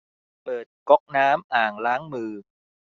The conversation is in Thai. เปิดก๊อกน้ำอ่างล้างมือ